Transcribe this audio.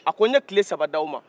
a ko n ye tile saba di aw ma